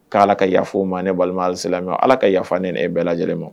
K' ala ka yafa ma ne balimala ala ka yafa ni e bɛɛ lajɛlen ma